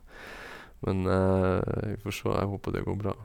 Men vi får sjå, jeg håper det går bra.